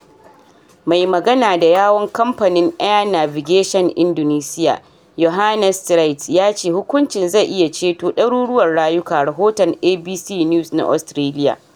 Mai magana da yawun kamfanin Air Navigation Indonesia, Yohannes Sirait, ya ce hukuncin zai iya ceto daruruwan rayuka, rahoton ABC News na Australia.